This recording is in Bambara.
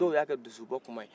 dɔw y'a kɛ dusubɔ kuma ye